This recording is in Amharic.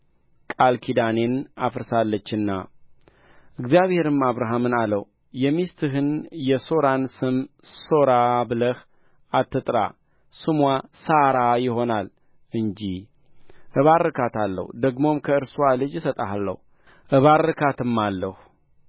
ቃል ኪዳኔን አፍርሳለችና እግዚአብሔርም አብርሃምን አለው የሚስትህን የሦራን ስም ሦራ ብለህ አትጥራ ስምዋ ሣራ ይሆናል እንጂ እባርካታለሁ ደግሞም ከእርስዋ ልጅ እሰጥሃለሁ እባርካትማለሁ